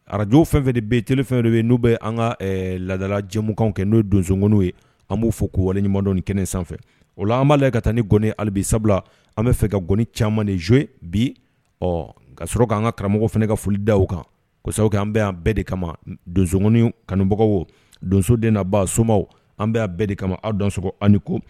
Arajo fɛn fɛ de bɛ t fɛnw yen n'u bɛ an ka laadadala jɛmukan kɛ n'o donsogoni ye an b'o fɔ ko waleɲumandɔn ni kɛnɛ sanfɛ o an b'a la ka taa ni goni alibi sabula an bɛ fɛ ka goni caman ni zo bi ɔ ka sɔrɔ k'an ka karamɔgɔ fana ka foli da kansa an bɛ an bɛɛ de kama donsog kanubagaw donso den na ba somɔgɔw an bɛ bɛɛ de kama aw dɔn sɔgɔ ani ko